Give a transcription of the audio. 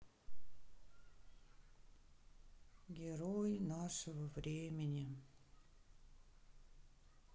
герой нашего времени